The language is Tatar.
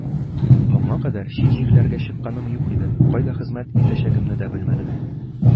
Моңа кадәр чит җирләргә чыкканым юк иде, кайда хезмәт итәчәгемне дә белмәдем.